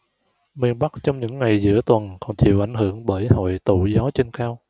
miền bắc trong những ngày giữa tuần còn chịu ảnh hưởng bởi hội tụ gió trên cao